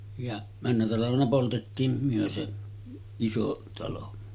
ja menneenä talvena poltettiin me se iso talo